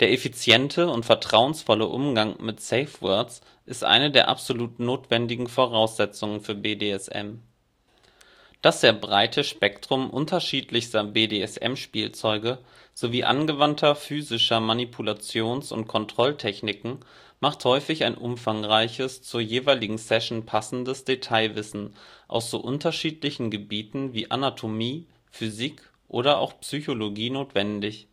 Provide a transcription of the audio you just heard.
effiziente und vertrauensvolle Umgang mit Safewords ist eine der absolut notwendigen Voraussetzungen für BDSM. Ein stationäres Gerät zur Erotischen Elektrostimulation. Entsprechende Vorrichtungen werden zur direkten Nervenreizung eingesetzt. Das sehr breite Spektrum unterschiedlichster BDSM -„ Spielzeuge “sowie angewandter physischer Manipulations - und Kontrolltechniken macht häufig ein umfangreiches, zur jeweiligen Session passendes Detailwissen aus so unterschiedlichen Gebieten wie Anatomie, Physik oder auch Psychologie notwendig